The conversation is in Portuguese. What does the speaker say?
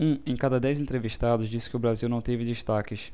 um em cada dez entrevistados disse que o brasil não teve destaques